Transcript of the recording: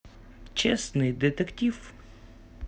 честный детектив